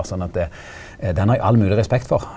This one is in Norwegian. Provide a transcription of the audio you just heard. og sånn at den har eg all mogleg respekt for.